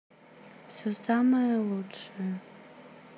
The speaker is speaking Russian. все самое лучшее